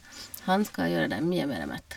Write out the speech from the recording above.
Han skal gjøre deg mye mere mett.